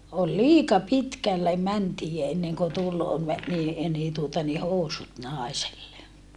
oli liika pitkälle mentiin ennen kuin tuli - niin niin tuota niin housut naiselle